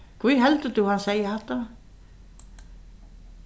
hví heldur tú hann segði hatta